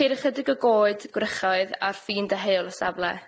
Ceir ychydig o goed gwrychoedd ar ffin deheuol y safle